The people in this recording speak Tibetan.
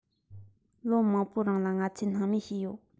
ལོ མང པོའི རིང ལ ང ཚོས སྣང མེད བྱས ཡོད